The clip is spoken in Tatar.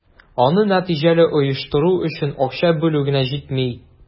Аны нәтиҗәле оештыру өчен акча бүлү генә җитми.